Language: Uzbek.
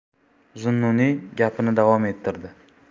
zunnuniy gapini davom ettirdi